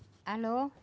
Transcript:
a lô